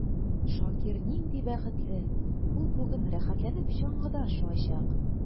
Шакир нинди бәхетле: ул бүген рәхәтләнеп чаңгыда шуачак.